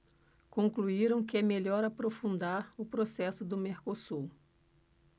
concluíram que é melhor aprofundar o processo do mercosul